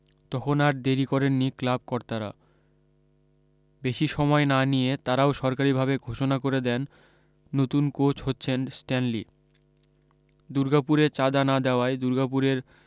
তখন আর দেরি করেননি ক্লাবকর্তারা বেশী সময় না নিয়ে তাঁরাও সরকারী ভাবে ঘোষণা করে দেন নতুন কোচ হচ্ছেন স্ট্যানলি দুর্গাপুরে চাঁদা না দেওয়ায় দুর্গাপুরের